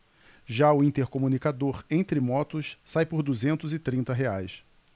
já o intercomunicador entre motos sai por duzentos e trinta reais